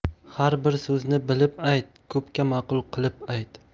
har bir so'zni bilib ayt ko'pga ma'qul qilib ayt